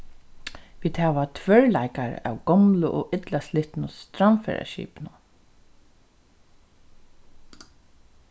vit hava tvørleikar av gomlu og illa slitnu strandfaraskipunum